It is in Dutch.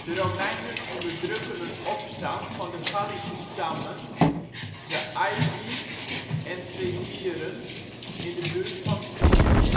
Romeinen onderdrukken een opstand van de Gallische stammen, de Aedui en Trevieren (in de buurt van Trier